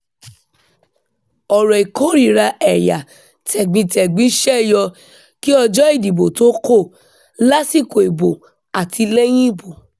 Ọ̀rọ̀ ìkórìíra ẹ̀yà tẹ̀gbintẹ̀gbin ṣẹ́ yọ kí ọjọ́ ìbò ó tó kò, lásìkò ìbò àti lẹ́yìn ìbò.